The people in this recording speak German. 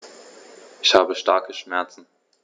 Ich habe starke Schmerzen.